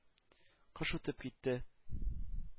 Кыш үтеп китте.